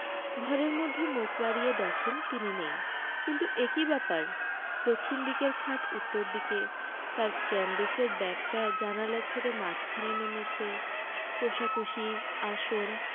ঘরের মধ্যে মুখ বাড়িয়ে দেখেন তিনি নেই কিন্তু এ কি ব্যাপার দক্ষিণ দিকের খাট উত্তর দিকে তাঁর ক্যাম্বিসের ব্যাগটা জানালা ছেড়ে মাঝখানে নেমেচে কোষাকুষি আসন